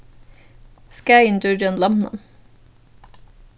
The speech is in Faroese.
skaðin gjørdi hann lamnan